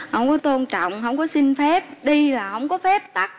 hông có tôn trọng hông có xin phép đi là hông có phép tắc